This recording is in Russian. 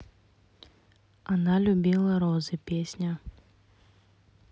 она любила розы песня